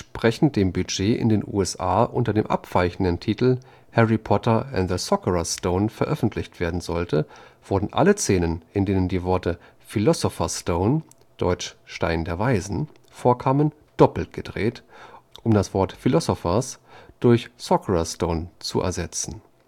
dem Buch in den USA unter dem abweichenden Titel Harry Potter and the Sorcerer’ s Stone veröffentlicht werden sollte, wurden alle Szenen, in denen die Worte “Philosopher’ s Stone” (deutsch: „ Stein der Weisen “) vorkamen, doppelt gedreht, um das Wort “Philosopher’ s” durch “Sorcerer’ s” zu ersetzen. Andere